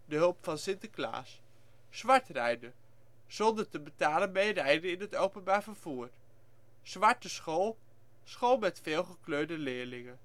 hulp van Sinterklaas Zwart rijden - zonder te betalen meerijden in het openbaar vervoer Zwarte school - school met veel gekleurde leerlingen